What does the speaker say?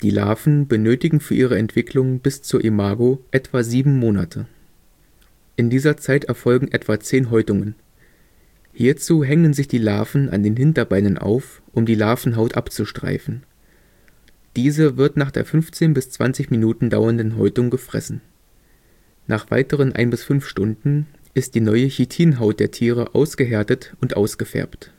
Larven benötigen für ihre Entwicklung bis zur Imago etwa sieben Monate. In dieser Zeit erfolgen etwa 10 Häutungen. Hierzu hängen sich die Larven an den Hinterbeinen an, um die Larvenhaut abzustreifen. Diese wird nach der 15 bis 20 Minuten dauernden Häutung gefressen. Nach weiteren ein bis fünf Stunden ist die neue Chitinhaut der Tiere ausgehärtet und ausgefärbt